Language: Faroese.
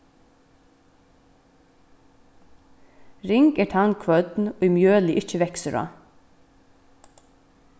ring er tann kvørn ið mjølið ikki veksur á